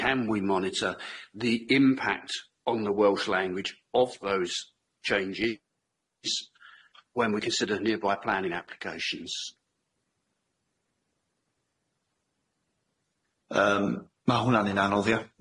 Can we monitor the impact on the Welsh language of those changes when we consider nearby planning applications. Yym ma' hwnna'n un anodd ia?